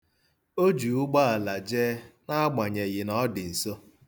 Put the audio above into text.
O ji ụgbọala jee, na-agbanyeghị na ọ dị nso.